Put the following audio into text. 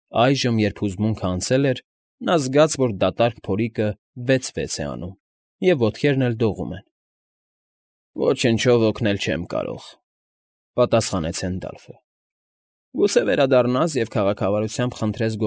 Այժմ, երբ հուզմունքն անցել էր, նա զգաց, որ դատարկ փորիկը վեց֊վեց է անում և ոտքերն էլ դողում են։ ֊ Ոչնչով օգնել չեմ կարող,֊ պատասխանեց Հենդալֆը։֊ Գուցե վերադառնաս և քաղաքավարությամբ խնրդես։